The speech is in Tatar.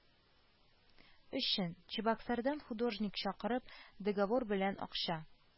Өчен, чебоксардан художник чакырып, договор белән акча